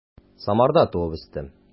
Самарда туып үстем.